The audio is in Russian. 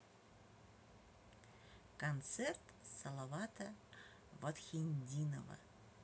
концерт салавата фатхетдинова